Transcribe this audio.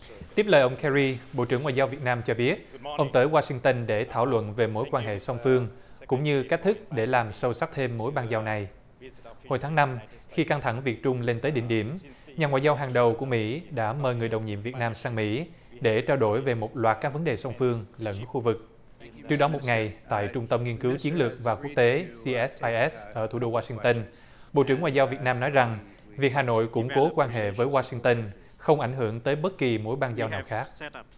tiếp lời ông ke ri bộ trưởng ngoại giao việt nam cho biết ông tới wa shinh tơn để thảo luận về mối quan hệ song phương cũng như cách thức để làm sâu sắc thêm mối bang giao này hồi tháng năm khi căng thẳng việt trung lên tới đỉnh điểm nhà ngoại giao hàng đầu của mỹ đã mời người đồng nhiệm việt nam sang mỹ để trao đổi về một loạt các vấn đề song phương lẫn khu vực trước đó một ngày tại trung tâm nghiên cứu chiến lược và quốc tế si s ai s ở thủ đô wa shinh tơn bộ trưởng ngoại giao việt nam nói rằng việc hà nội củng cố quan hệ với wa shinh tơn không ảnh hưởng tới bất kỳ mối bang giao nào khác